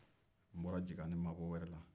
n bɔra jagani mabowɛrɛ la